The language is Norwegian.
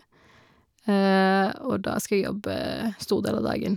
Og da skal jeg jobbe store deler av dagen.